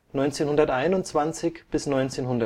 1921 bis 1945